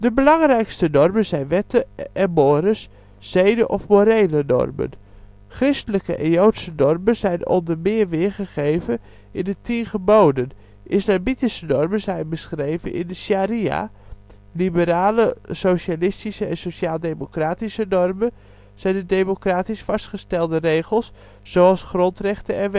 belangrijkste normen zijn wetten en mores (zeden of morele normen). Christelijke en joodse normen zijn onder meer weergegeven in de tien geboden, islamitische normen zijn beschreven in de sharia, liberale, socialistische en sociaal-democratische normen zijn de (democratisch) vastgestelde regels zoals grondrechten en